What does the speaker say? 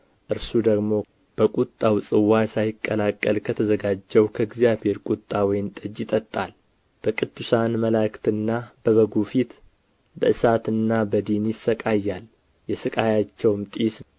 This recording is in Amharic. እርሱ ደግሞ በቍጣው ጽዋ ሳይቀላቅል ከተዘጋጀው ከእግዚአብሔር ቍጣ ወይን ጠጅ ይጠጣል በቅዱሳንም መላእክትና በበጉ ፊት በእሳትና በዲን ይሳቀያል የሥቃያቸውም ጢስ